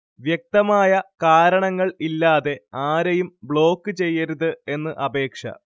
വ്യക്തമായ കാരണങ്ങള്‍ ഇല്ലാതെ ആരെയും ബ്ലോക്ക് ചെയ്യരുത് എന്ന് അപേക്ഷ